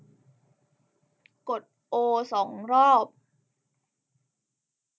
กดโอสองรอบ